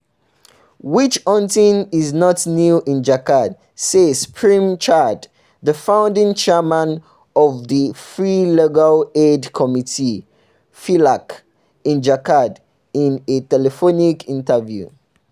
Witch-hunting is not new in Jharkhand, says Prem Chand, the Founding Chairman of the Free Legal Aid Committee (FLAC) in Jharkhand, in a telephonic interview.